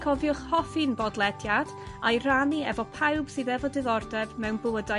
cofiwch hoffi'n bodlediad a'i rannu efo pawb sydd efo diddordeb mewn bywydau